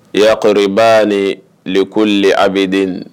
Y yaa kɔrɔ' ni lekoli a bɛden